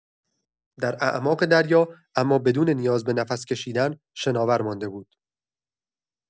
در اعماق دریا، اما بدون نیاز به نفس‌کشیدن، شناور مانده بود.